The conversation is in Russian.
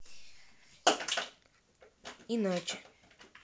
иначе